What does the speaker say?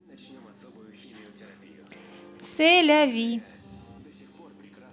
се ля ви